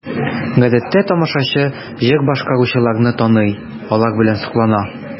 Гадәттә тамашачы җыр башкаручыларны таный, алар белән соклана.